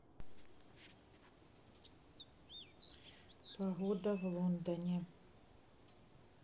погода в лондоне